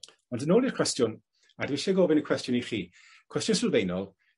Ond yn ôl i'r cwestiwn, a dwi isie gofyn y cwestiwn i chi, cwestiwn sylfaenol,